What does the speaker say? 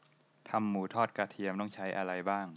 ทำหมูทอดกระเทียมต้องใช้อะไรบ้าง